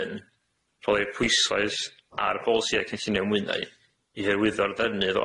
hyn rhoi'r pwyslais ar polisïau cynllunio mwynau i hyrwyddo'r ddefnydd